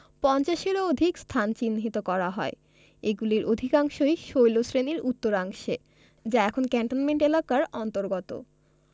পঞ্চাশেরও অধিক স্থান চিহ্নিত করা হয় এগুলির অধিকাংশই শৈলশ্রেণির উত্তরাংশে যা এখন ক্যান্টনমেন্ট এলাকার অন্তর্গত